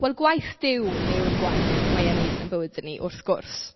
Wel gwaith Duw yw'r gwaith mae e'n wneud yn ein bywydau ni wrth gwrs.